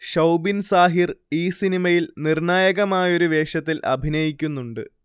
ഷൗബിൻ സാഹിർ ഈ സിനിമയിൽ നിർണായകമായൊരു വേഷത്തിൽ അഭിനയിക്കുന്നുണ്ട്